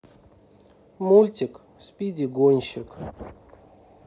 мультик спиди гонщик